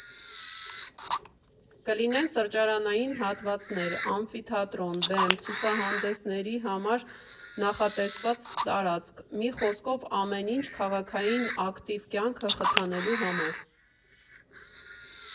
Կլինեն սրճարանային հատվածներ, ամֆիթատրոն, բեմ, ցուցահանդեսների համար նախատեսված տարածք՝ մի խոսքով ամեն ինչ քաղաքային ակտիվ կյանքը խթանելու համար։